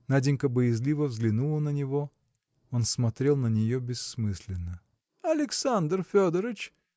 Наденька боязливо взглянула на него. Он смотрел на нее бессмысленно. – Александр Федорыч!